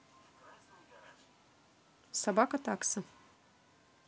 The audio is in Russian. собака такса